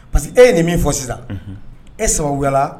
Parce que e ye nin min fɔ sisan e sababu yaa